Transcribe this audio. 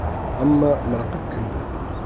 hamma miriqib kuldi